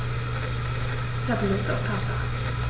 Ich habe Lust auf Pasta.